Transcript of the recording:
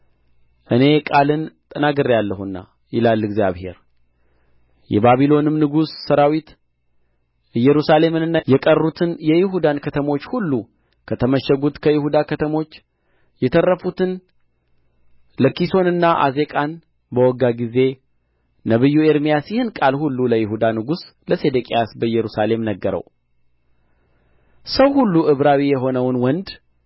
እኔ ቃልን ተናግሬአለሁና ይላል እግዚአብሔር የባቢሎንም ንጉሥ ሠራዊት ኢየሩሳሌምንና የቀሩትን የይሁዳን ከተሞች ሁሉ ከተመሸጉት ከይሁዳ ከተሞች የተረፉትን ለኪሶንና ዓዜቃን በወጋ ጊዜ ነቢዩ ኤርምያስ ይህን ቃል ሁሉ ለይሁዳ ንጉሥ ለሴዴቅያስ በኢየሩሳሌም ነገረው ሰው ሁሉ ዕብራዊ የሆነውን ወንድ